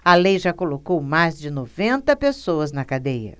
a lei já colocou mais de noventa pessoas na cadeia